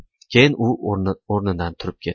keyin u o'rnidan turib ketdi